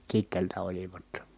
Kiteeltä olivat